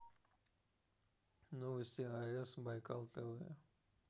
новости аэс байкал тв